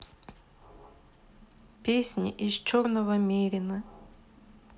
песня из черного мерина